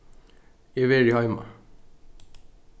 eg verði heima